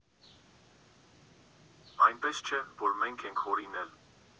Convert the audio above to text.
Այնպես չէ, որ մենք ենք հորինել։